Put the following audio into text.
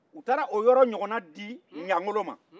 u taara o yɔrɔ ɲɔgɔnna dɔ di ɲangolo ma